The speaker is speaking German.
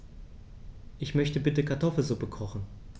Ich möchte bitte Kartoffelsuppe kochen.